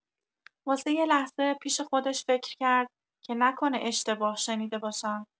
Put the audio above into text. واسه یه لحظه پیش خودش فکر کرد که نکنه اشتباه شنیده باشم؟